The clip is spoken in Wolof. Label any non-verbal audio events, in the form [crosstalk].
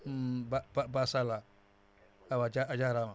[hesitation]